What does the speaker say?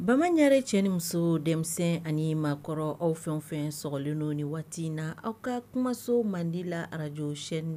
Bamaɲare cɛ ni muso denmisɛn ani maakɔrɔ aw fɛn fɛn sɔgɔlen don ni waati in na aw ka kumaso mandi la Radio chaîne